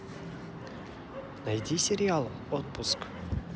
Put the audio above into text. найди сериал отпуск